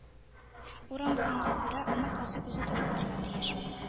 Урам булганга күрә, аны казый үзе тазартырга тиеш,